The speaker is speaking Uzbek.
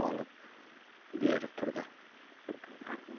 olib berib turdi